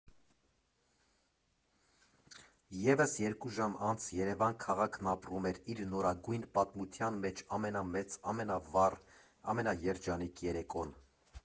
Եվս երկու ժամ անց Երևան քաղաքն ապրում էր իր նորագույն պատմության մեջ ամենամեծ, ամենավառ, ամենաերջանիկ երեկոն։